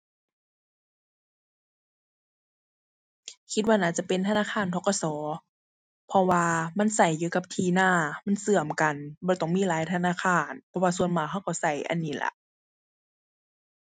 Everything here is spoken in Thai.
คิดว่าน่าจะเป็นธนาคาร ธ.ก.ส. เพราะว่ามันใช้อยู่กับที่นา มันใช้กัน บ่ต้องมีหลายธนาคาร เพราะว่าส่วนมากใช้ใช้ใช้อันนี้ล่ะ